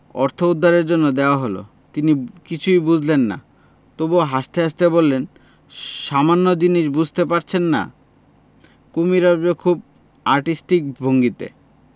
অর্থ উদ্ধারের জন্য দেয়া হল তিনিও কিছুই বুঝলেন না তবু হাসতে হাসতে বললেন সামান্য জিনিস বুঝতে পারছেন না কুমীর আসবে খুব আর্টিস্টিক ভঙ্গিতে